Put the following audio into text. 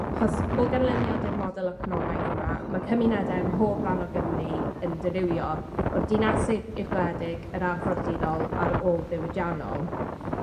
achos o ganlyniad i'r model economaidd yma, ma' cymunede ym mhob ran o Gymru yn dirywio, o'r dinesig i'r gwledig, yr arfordirol a'r ôl-ddiwydiannol.